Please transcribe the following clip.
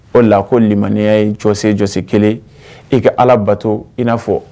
O la ko limmaniya ye jɔsejɔsi kelen i ka ala bato i n'a fɔ